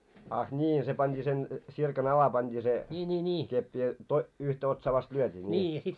ah niin se pantiin sen tsirkan alle pantiin se keppi ja - yhtä otsaa vasten lyötiin niin